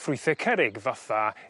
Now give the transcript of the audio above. ffrwythe cerrig fatha